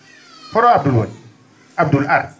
hoto Abdoul woni Abdoul ar'